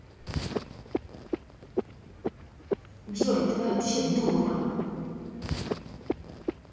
джой ты вообще дура